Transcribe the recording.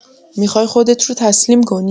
می‌خوای خودت رو تسلیم کنی؟